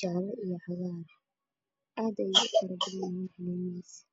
jaale iyo cagaar aad ayay ubadan yihiin.